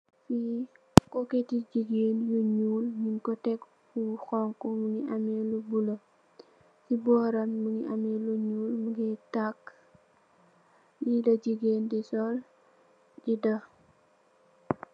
Li koketi jigeen bu nuul nyun ko tek fo xonxu mogi ame lu bu bulu si boram mongi ame lu nuul mogex taka li la jigeen di sol di dox.